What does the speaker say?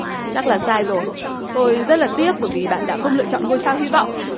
chắc là sai rồi tôi rất là tiếc bởi vì bạn đã không lựa chọn ngôi sao hy vọng